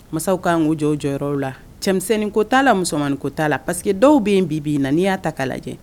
Mansaw kan k'u jɔ u jɔyɔrɔw la, cɛmisɛnnin ko t'a la, musomannin ko t'a la parce que dɔw bɛ yen bi bi in na n'i y'a ta k'a lajɛ